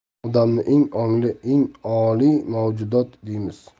odamni eng ongli eng oliy mavjudot deymiz